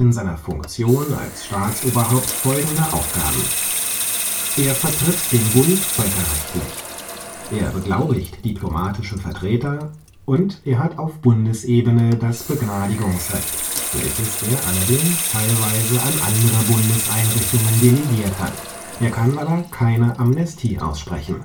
seiner Funktion als Staatsoberhaupt folgende Aufgaben: er vertritt den Bund völkerrechtlich, er beglaubigt diplomatische Vertreter und er hat auf Bundesebene das Begnadigungsrecht, welches er allerdings teilweise an andere Bundeseinrichtungen delegiert hat; er kann aber keine Amnestie aussprechen